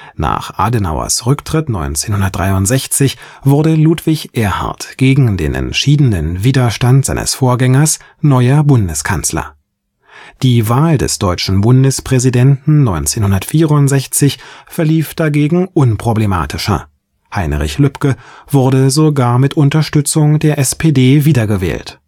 Nach Adenauers Rücktritt 1963 wurde Ludwig Erhard gegen den entschiedenen Widerstand seines Vorgängers neuer Bundeskanzler. Die Wahl des deutschen Bundespräsidenten 1964 verlief dagegen unproblematischer: Heinrich Lübke wurde sogar mit Unterstützung der SPD wiedergewählt